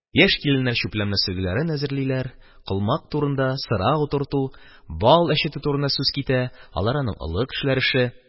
Яшь киленнәр чүпләмле сөлгеләрен әзерлиләр, колмак турында, сыра утырту, бал әчетү турында сүз китә – алары аның олы кешеләр эше.